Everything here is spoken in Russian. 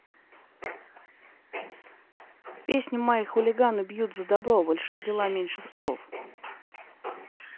песня my хулиганы бьют за добро больше дела меньше слов